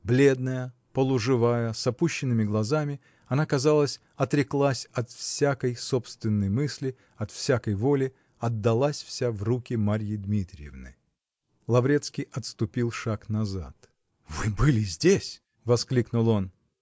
Бледная, полуживая, с опущенными глазами, она, казалось, отреклась от воякой собственной мысли, от всякой воли -- отдалась вся в руки Марьи Дмитриевны. Лаврецкий отступил шаг назад. -- Вы были здесь! -- воскликнул он.